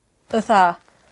fytha